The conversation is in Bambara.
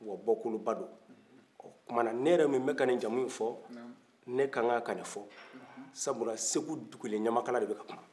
wa bɔkolo ba do ɔɔ kuma na ne yɛrɛmin bɛ ka nin jamuyin fɔ ne kan ka ka ni fɔ sabula segu dugulen ɲamakala de bɛ ka kuma